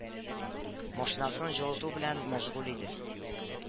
Машинасын җылыту белән мәшгуль иде